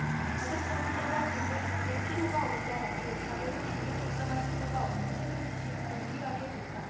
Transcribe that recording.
가독성이 떨어지고 눈의 피로가 오더라도 밤에도 조명 걱정할 필요가 없는 태블릿이 더 유리하게 됐다